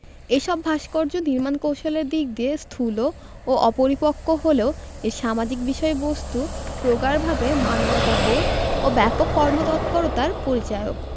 এ সব ভাস্কর্য নির্মাণ কৌশলের দিক দিয়ে স্থূল ও অপরিপক্ক হলেও এর সামাজিক বিষয়বস্ত্ত প্রগাঢ়ভাবে মানবতাবোধ ও ব্যাপক কর্মতৎপরতার পরিচায়ক